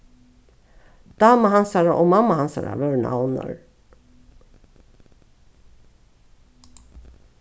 dama hansara og mamma hansara vóru navnar